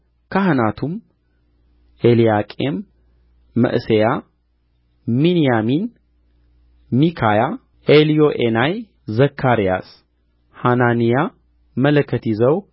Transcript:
ካህናቱም ኤልያቄም መዕሤያ ሚንያሚን ሚካያ ኤልዮዔናይ ዘካርያስ ሐናንያ መለከት ይዘው